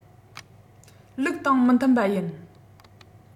ལུགས དང མི མཐུན པ ཡིན